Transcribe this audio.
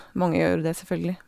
Mange gjør jo det, selvfølgelig.